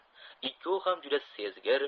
ikkovi ham juda sezgir